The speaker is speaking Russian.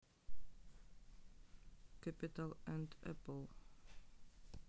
capital and apple